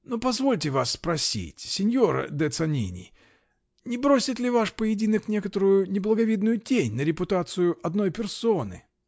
-- Но позвольте вас спросить, синьор де-Цанини, не бросит ли ваш поединок некоторую неблаговидную тень на репутацию одной персоны?